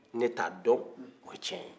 ne t'a dɔn o ye tiɲɛ ye